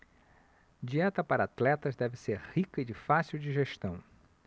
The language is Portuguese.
dieta para atletas deve ser rica e de fácil digestão